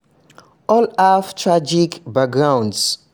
All have tragic backgrounds.